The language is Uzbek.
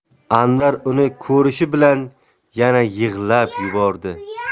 anvar uni ko'rishi bilan yana yig'lab yubordi